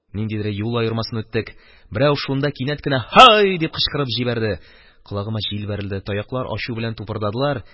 Ниндидер юл аермасын үттек, берәү шунда кинәт кенә «Һа!» дип кычкырып җибәрде, колагыма җил бәрелде, тояклар ачу белән тупырдадылар